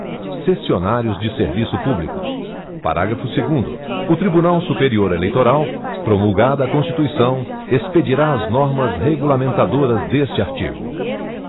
cessionários de serviço público parágrafo segundo o tribunal superior eleitoral promulgada a constituição expedirá as normas regulamentadoras deste artigo